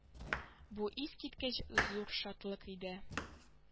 Бу искиткеч зур шатлык иде